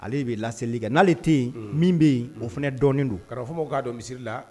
Ale bɛ laelili kɛ n'ale tɛ yen min bɛ yen o fanaunɛ dɔɔnin don karamɔgɔ fɔmaw k'a dɔn misisiriri la